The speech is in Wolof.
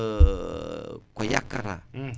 changement climatique